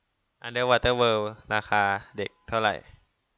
อันเดอร์วอเตอร์เวิล์ดราคาเด็กเท่าไหร่